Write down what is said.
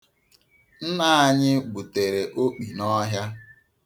Nna anyị gbutere okpi n'ọhịa.